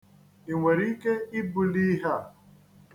I nwere ike ibuli ihe a?